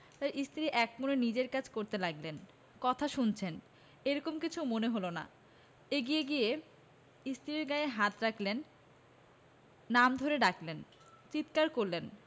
তাঁর স্ত্রী একমনে নিজের কাজ করতে লাগলেন কথা শুনেছেন এ রকম কিছু মনে হলো না এগিয়ে গিয়ে স্ত্রীর গায়ে হাত রাখলেন নাম ধরে ডাকলেন চিৎকার করলেন